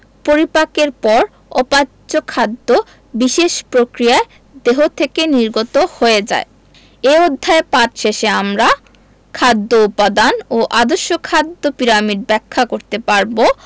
পরিপাকের পর অপাচ্য খাদ্য বিশেষ প্রক্রিয়ায় দেহ থেকে নির্গত হয়ে যায় এ অধ্যায় পাঠ শেষে আমরা খাদ্য উপাদান ও আদর্শ খাদ্য পিরামিড ব্যাখ্যা করতে পারব